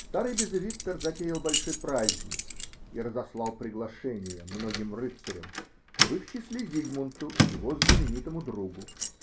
*** Старый Безевиттер затеял большой праздник и разослал приглашения многим рыцарям, а в их числе Зигмунту и его знаменитому другу.